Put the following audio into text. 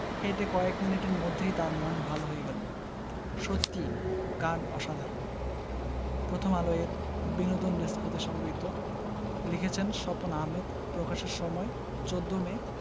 হেঁটে কয়েক মিনিটের মধ্যেই তার মন ভালো হয়ে গেল সত্যিই কান অসাধারণ প্রথমআলো এর বিনোদন ডেস্ক হতে সংগৃহীত লিখেছেনঃ স্বপন আহমেদ প্রকাশের সময় ১৪মে